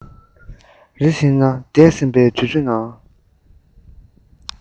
རེ ཞིག ན འདས ཟིན པའི དུས ཚོད ནང